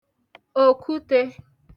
òkutē